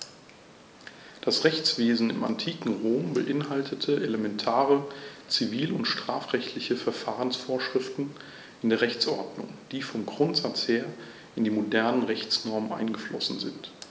Das Rechtswesen im antiken Rom beinhaltete elementare zivil- und strafrechtliche Verfahrensvorschriften in der Rechtsordnung, die vom Grundsatz her in die modernen Rechtsnormen eingeflossen sind.